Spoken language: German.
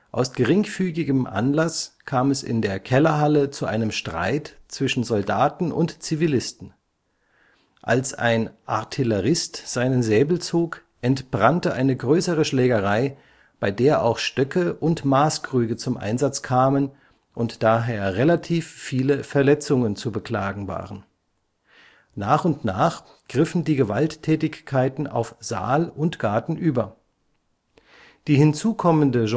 Aus geringfügigem Anlass kam es in der Kellerhalle zu einem Streit zwischen Soldaten und Zivilisten. Als ein Artillerist seinen Säbel zog, entbrannte eine größere Schlägerei, bei der auch Stöcke und Maßkrüge zum Einsatz kamen und daher relativ viele Verletzungen zu beklagen waren. Nach und nach griffen die Gewalttätigkeiten auf Saal und Garten über. Die hinzukommende